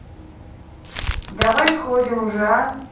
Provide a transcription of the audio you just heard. давай сходим уже а